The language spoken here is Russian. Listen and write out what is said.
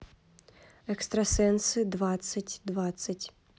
экстрасенсы двадцать двадцать